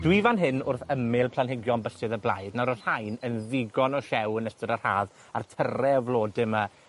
Dw fan hyn wrth ymyl planhigion Bysedd y Blaed. Nawr odd rhain yn ddigon o siew yn ystod yr haf, a'r tyre o flode 'ma